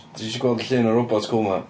Ti isio gweld llun o'r robot cŵl 'ma?